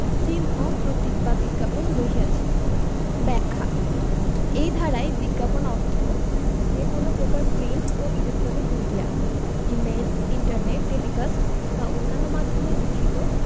চিহ্ন প্রতীক বা বিজ্ঞাপন রহিয়াছে ব্যাখ্যাঃ এই ধারায় বিজ্ঞাপন অর্থ যে কোন প্রকার প্রিন্ট ও electronic media email internet telecast বা অন্যান্য মাধ্যমে লিখিত